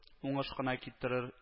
Уңыш кына китерер